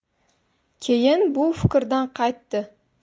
keyin bu fikrdan qaytdi